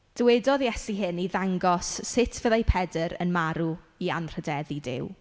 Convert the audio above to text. Dywedodd Iesu hyn i ddangos sut fyddai Pedr yn marw i anrhyddeddu Duw.